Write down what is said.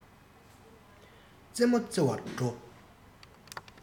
རྩེད མོ རྩེ བར འགྲོ